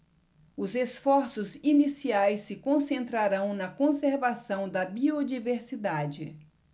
os esforços iniciais se concentrarão na conservação da biodiversidade